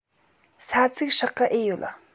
ས ཚིག སྲེག གི ཨེ ཡོད